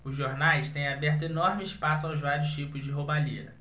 os jornais têm aberto enorme espaço aos vários tipos de roubalheira